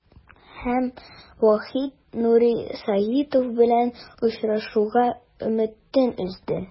Һәм Вахит Нури Сагитов белән очрашуга өметен өзде.